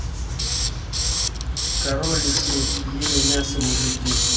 король и шут ели мясо мужики